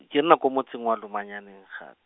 ke nna ko motseng wa Lomanyaneng gap-.